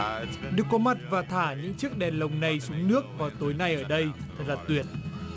được có mặt và thả những chiếc đèn lồng này xuống nước vào tối nay ở đây thật tuyệt